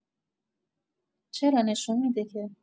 چرا نشون می‌ده که